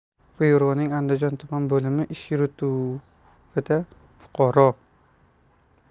byuroning andijon tuman bo'limi ish yurituvidagi fuqaro